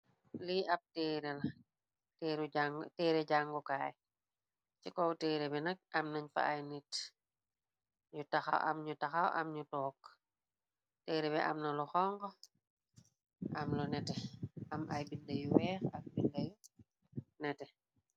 Lii ab téere, téere jàngukaay, ci kow téere bi nag amnañ fa ay nit yu taxaw am ñu taxaw am ñu took. Téere bi amna lu xonxu am lu nete am ay bindi yu weex ak bindai yu nete.